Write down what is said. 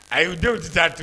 A y' denw tɛ t taa don